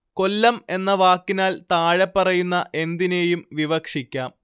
കൊല്ലം എന്ന വാക്കിനാൽ താഴെപ്പറയുന്ന എന്തിനേയും വിവക്ഷിക്കാം